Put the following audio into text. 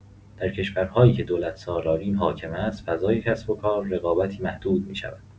در کشورهایی که دولت‌سالاری حاکم است، فضای کسب‌وکار رقابتی محدود می‌شود.